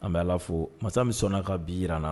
A bɛ ala fo masa min sɔnna ka bi jiraran na